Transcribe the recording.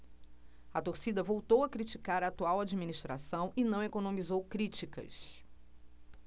a torcida voltou a criticar a atual administração e não economizou críticas